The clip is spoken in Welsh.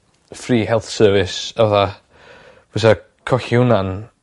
free health service fatha bysa colli hwnna'n